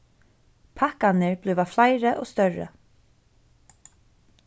pakkarnir blíva fleiri og størri